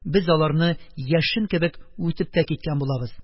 Без аларны яшен кебек үтеп тә киткән булабыз.